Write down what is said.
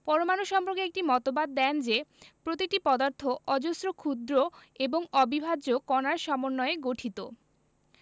পরমাণু সম্পর্কে একটি মতবাদ দেন যে প্রতিটি পদার্থ অজস্র ক্ষুদ্র এবং অবিভাজ্য কণার সমন্বয়ে গঠিত